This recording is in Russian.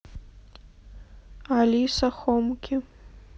алиса хомки